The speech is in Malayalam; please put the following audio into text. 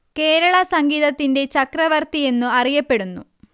കേരള സംഗീതത്തിന്റെ ചക്രവർത്തി എന്ന് അറിയപ്പെടുന്നു